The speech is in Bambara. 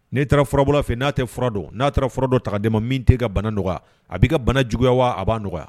N'i taara furaura fɛ n'a tɛɔrɔ dɔn n'a fura dɔ taden ma min tɛe ka bana nɔgɔya a b'i ka bana juguya wa a' nɔgɔya